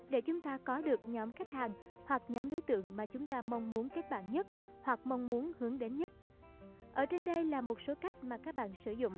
để chúng ta có được nhóm khách hàng hoặc nhóm đối tượng mà chúng ta mong muốn kết bạn nhất hoặc mong muốn hướng đến nhất ở trên đây là số cách mà các bạn sử dụng